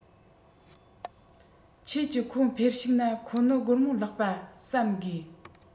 ཁྱེད ཀྱི ཁོ འཕེལ ཤུགས ན ཁོ ནི སྒོར མོ བརླག པ བསམ དགོས